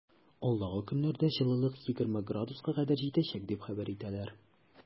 Алдагы көннәрдә җылылык 20 градуска кадәр җитәчәк дип хәбәр итәләр.